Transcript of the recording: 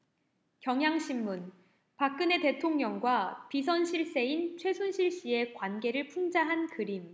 경향신문 박근혜 대통령과 비선실세인 최순실씨의 관계를 풍자한 그림